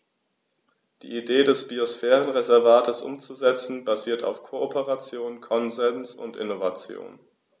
Die Idee des Biosphärenreservates umzusetzen, basiert auf Kooperation, Konsens und Innovation.